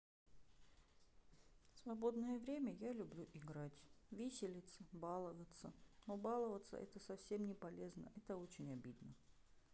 свободное время я люблю играть виселица баловаться но баловатся это совсем не полезно это очень обидно